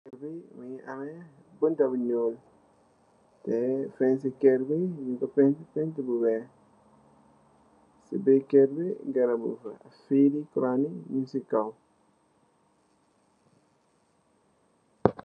Li mungi ameh bun ta bu ñuul, tè fence ci keur bi pentirr, pentirr bu weeh. Ci biir keur bi garab mung fa. filli kura yi ñung ci kaw.